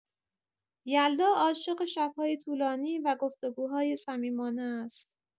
یلدا عاشق شب‌های طولانی و گفت‌وگوهای صمیمانه است.